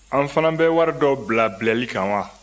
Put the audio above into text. an fana bɛ wari dɔ bila bilali kan wa